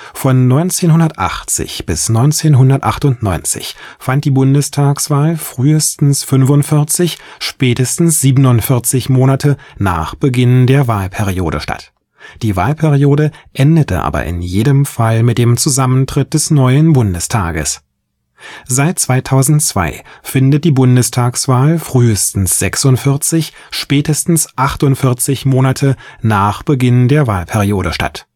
Von 1980 bis 1998 fand die Bundestagswahl frühestens 45, spätestens 47 Monate nach Beginn der Wahlperiode statt; die Wahlperiode endete aber in jedem Fall mit dem Zusammentritt des neuen Bundestages. Seit 2002 findet die Bundestagswahl frühestens 46, spätestens 48 Monate nach Beginn der Wahlperiode statt